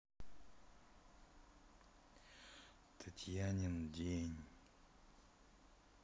татьянин день